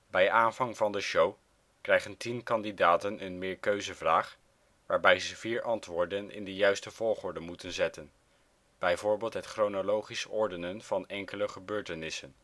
Bij aanvang van de show krijgen 10 kandidaten een meerkeuzevraag waarbij ze vier antwoorden in de juiste volgorde moeten zetten (bijvoorbeeld het chronologisch ordenen van enkele gebeurtenissen